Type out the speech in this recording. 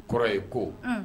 Kɔrɔ ye ko